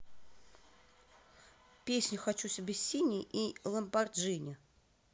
песня хочу себе синий и не lamborghini